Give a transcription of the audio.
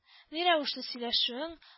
Ни рәвешле сөйләшүең